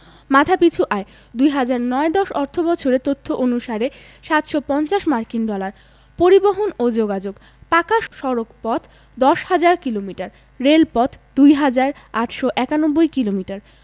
মাথাপিছু আয় ২০০৯ ১০ অর্থবছরের তথ্য অনুসারে ৭৫০ মার্কিন ডলার পরিবহণ ও যোগাযোগঃ পাকা সড়কপথ ১০হাজার কিলোমিটার রেলপথ ২হাজার ৮৯১ কিলোমিটার